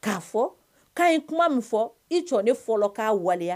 K'a fɔ k' ye kuma min fɔ i jɔ ne fɔlɔ k' waleya